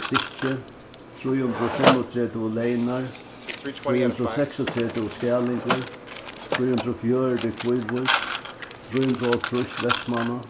stykkið trý hundrað og fimmogtretivu leynar trý hundrað og seksogtretivu skælingur trý hundrað og fjøruti kvívík trý hundrað og hálvtrýss vestmanna